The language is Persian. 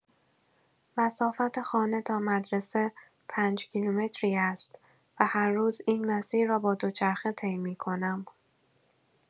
مسافت خانه تا مدرسه پنج‌کیلومتری است و هر روز این مسیر را با دوچرخه طی می‌کنم.